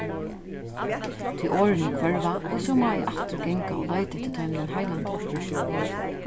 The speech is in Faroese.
tí orðini hvørva og so má eg aftur ganga og leita eftir teimum ein heilan dag